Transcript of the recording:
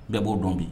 Bɛɛ b'o dɔn bi